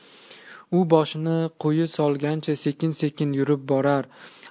u boshini quyi solgancha sekin sekin yurib borar